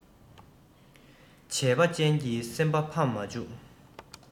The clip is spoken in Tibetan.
བྱས པ ཅན གྱི སེམས པ ཕམ མ འཇུག